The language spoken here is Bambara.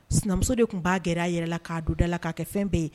Sinamuso de tun b'a gɛrɛa yɛrɛ la, k'a don da la k'a kɛ fɛn bɛɛ ye!